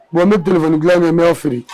Bon n ne kunnafoni dilan min n bɛaw fili